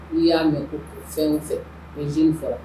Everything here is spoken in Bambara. N'i y'a mɛn fɛn fɛ ji fɔ